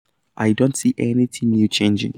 I don't see anything new changing."